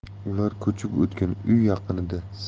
ular ko'chib o'tgan uy yaqinida